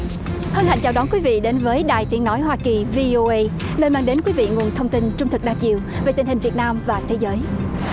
hạnh chào đón quý vị đến với đài tiếng nói hoa kỳ vi ô ây nơi mang đến quý vị nguồn thông tin trung thực đa chiều về tình hình việt nam và thế giới